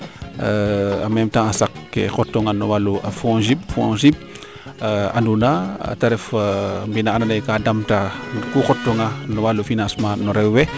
en meme tant te saq ke xotoonga no waalu fond jud andu na te ref mbinda ando naye ka damta no ku xot toona no waalu financement no rew we